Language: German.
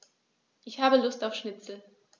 Ich habe Lust auf Schnitzel.